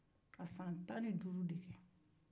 a ka san tan ni duuru de kɛ